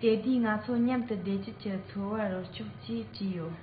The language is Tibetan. དེ དུས ང ཚོ མཉམ དུ བདེ སྐྱིད ཀྱི འཚོ བར རོལ ཆོག ཅེས བྲིས ཡོད